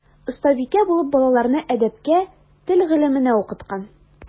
Остабикә булып балаларны әдәпкә, тел гыйлеменә укыткан.